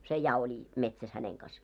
se ja oli metsässä hänen kanssa